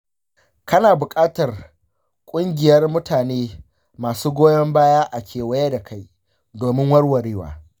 kana buƙatar ƙungiyar mutane masu goyon baya a kewaye da kai domin murmurewa.